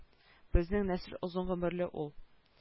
Безнең нәсел озын гомерле ул